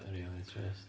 Rili trist.